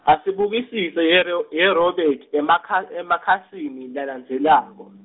asibukisise yeRo- yeRobert, emakha- emakhasini, lalandzelako.